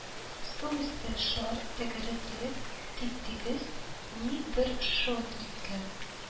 Су өсте шар тәгәрәтерлек тип-тигез, ник бер шылт иткән